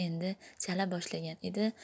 endi chala boshlagan edi